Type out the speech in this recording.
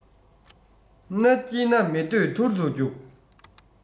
སྣ བསྐྱིལ ན མི སྡོད ཐུར དུ རྒྱུགས